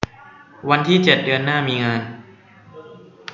วันที่เจ็ดเดือนหน้ามีงาน